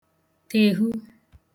tèhu